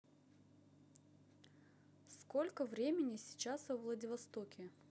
сколько времени сейчас во владивостоке